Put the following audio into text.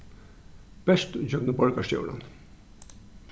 bert ígjøgnum borgarstjóran